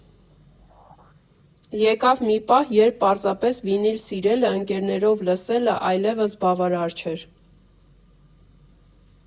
Եկավ մի պահ, երբ պարզապես վինիլ սիրելը, ընկերներով լսելը այլևս բավարար չէր։